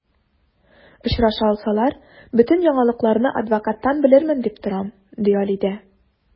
Очраша алсалар, бөтен яңалыкларны адвокаттан белермен дип торам, ди Алидә.